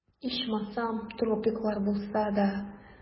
Ичмасам, тропиклар булса да...